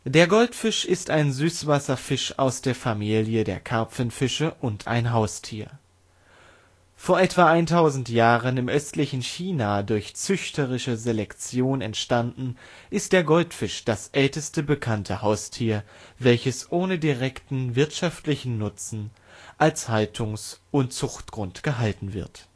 Der Goldfisch ist ein Süßwasserfisch aus der Familie der Karpfenfische (Cyprinidae) und ein Haustier. Vor etwa eintausend Jahren im östlichen China durch züchterische Selektion entstanden, ist der Goldfisch das älteste bekannte Haustier, welches ohne direkten, wirtschaftlichen Nutzen als Haltungs - und Zuchtgrund gehalten wird